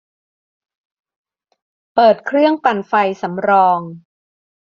เปิดเครื่องปั่นไฟสำรอง